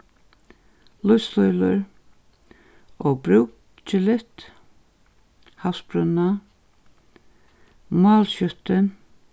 lívsstílur óbrúkiligt havsbrúnna málskjúttin